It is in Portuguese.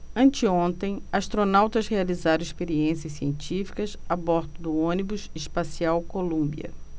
anteontem astronautas realizaram experiências científicas a bordo do ônibus espacial columbia